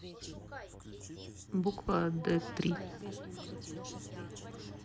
буква д три